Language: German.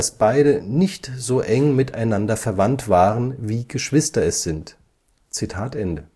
beide nicht so eng miteinander verwandt waren, wie Geschwister es sind. “Eine